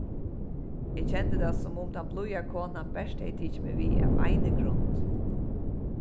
eg kendi tað sum um tann blíða konan bert hevði tikið meg við av eini grund